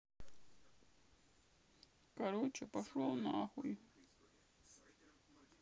короче пошел на хуй